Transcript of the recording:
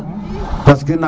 parce que